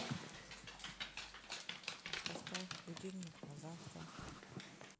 поставь будильник на завтра